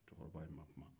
cɛkɔrɔba in ma kuma